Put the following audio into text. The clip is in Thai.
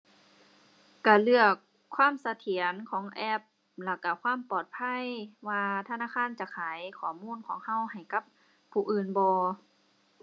ก็เลือกความเสถียรของแอพและก็ความปลอดภัย ว่าธนาคารจะขายข้อมูลของก็ให้กับผู้อื่นบ่